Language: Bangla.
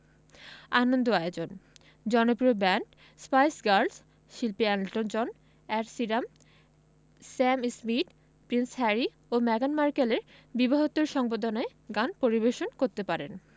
আনন্দ আয়োজন জনপ্রিয় ব্যান্ড স্পাইস গার্লস শিল্পী Elton John Ed Sheeran Sam Smith Prince Harry ও মেগান মার্কেলের বিবাহোত্তর সংবর্ধনায় গান পরিবেশন করতে পারেন